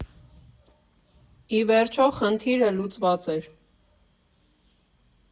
Ի վերջո, խնդիրը լուծված էր.